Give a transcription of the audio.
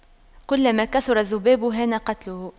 كلما كثر الذباب هان قتله